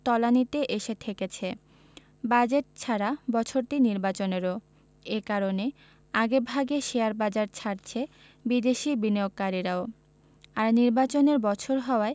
তলানিতে এসে ঠেকেছে বাজেট ছাড়া বছরটি নির্বাচনেরও এ কারণে আগেভাগে শেয়ারবাজার ছাড়ছে বিদেশি বিনিয়োগকারীরাও আর নির্বাচনের বছর হওয়ায়